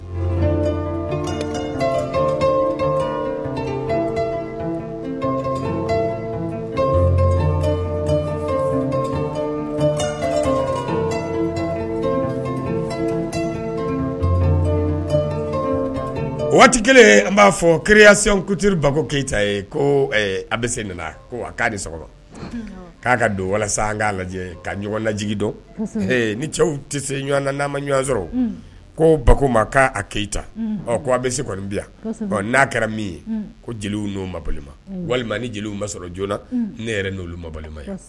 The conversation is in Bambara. O waati kelen n b'a fɔ kisiku bako keyita ye ko a bɛ se ko a k'a k'a ka don walasa k'a lajɛ ka ɲɔgɔnj dɔn ni cɛw tɛ se ɲɔgɔn n'a ma ɲɔgɔn sɔrɔ ko bako ma koa keyita ko a bɛ se kɔni bila n'a kɛra min ye ko jeliw n' ma walima ni jeliw ma sɔrɔ jo la ne yɛrɛ n' ma ye